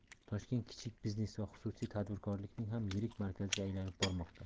toshkent kichik biznes va xususiy tadbirkorlikning ham yirik markaziga aylanib bormoqda